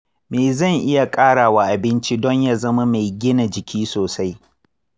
me zan iya ƙara wa abinci don ya zama mai gina jiki sosai?